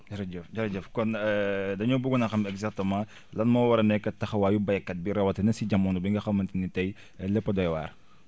jërëjëf jërëjëfkon dañoo buggoon a xam exactement lan moo war a nekk taxawaayu baykat bi rawatina si jamono bi nga xamante ni tey lépp a doy waar